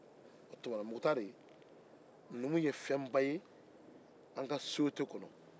u tuma mukutari numu ye fɛnba ye an ka sosiyete kɔnɔ